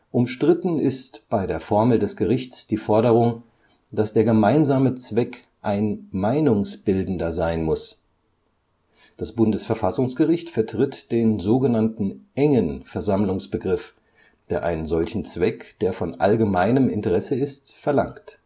Umstritten ist bei der Formel des Gerichts die Forderung, dass der gemeinsame Zweck ein meinungsbildender sein muss. Das Bundesverfassungsgericht vertritt den sogenannten engen Versammlungsbegriff, der einen solchen Zweck, der von allgemeinem Interesse ist, verlangt